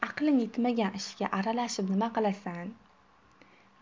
aqling yetmagan ishga aralashib nima qilasan